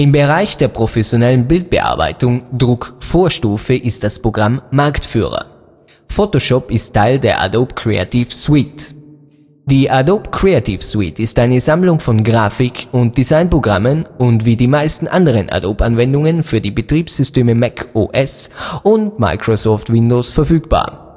Bereich der professionellen Bildbearbeitung (Druckvorstufe) ist das Programm Marktführer. Photoshop ist Teil der Adobe Creative Suite, einer Sammlung von Grafik - und Designprogrammen und wie die meisten anderen Adobe-Anwendungen für die Betriebssysteme Mac OS und Microsoft Windows verfügbar